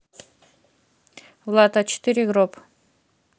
влад а четыре гроб